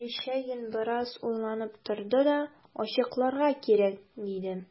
Верещагин бераз уйланып торды да: – Ачыкларга кирәк,– диде.